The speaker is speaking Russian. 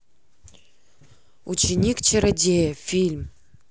ученик чародея фильм